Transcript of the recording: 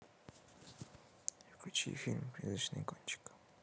включи фильм призрачный гонщик